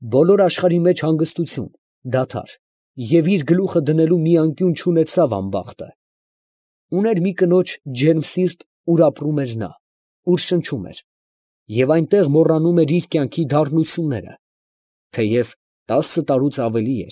Բոլոր աշխարհի մեջ հանգստություն, դադար և իր գլուխը դնելու մի անկյուն չունեցավ անբախտը՝ ուներ մի կնոջ ջերմ սիրտ, ուր ապրում էր նա, շնչում էր և այնտեղ մոռանում էր իր կյանքի դառնությունները, թեև տասը տարուց ավելի։